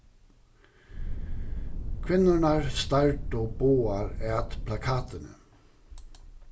kvinnurnar stardu báðar at plakatini